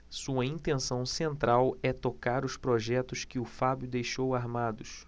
sua intenção central é tocar os projetos que o fábio deixou armados